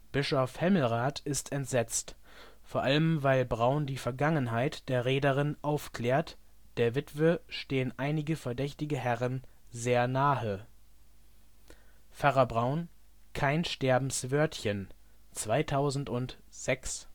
Bischof Hemmelrath ist entsetzt, vor allem weil Braun die Vergangenheit der Reederin aufklärt, der Witwe stehen einige verdächtige Herren sehr nahe. Pfarrer Braun - Kein Sterbenswörtchen (2006